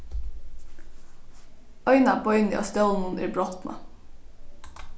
eina beinið á stólinum er brotnað